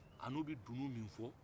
an'u bɛ dunu min fɔ